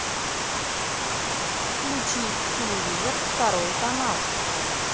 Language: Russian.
включи телевизор второй канал